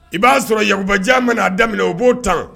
I b'a sɔrɔ yakubaja man n'a daminɛ u b'o tan